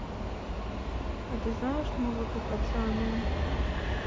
а ты знаешь музыку хотя ну